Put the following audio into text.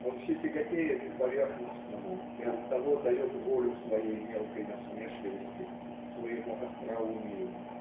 он все тяготеет к поверхностному и оттого дает волю своей мелкой насмешливости своему остроумию.